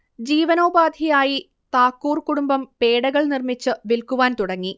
ജീവനോപാധിയായി താക്കൂർ കുടുംബം പേഡകൾ നിർമ്മിച്ച് വിൽക്കുവാൻ തുടങ്ങി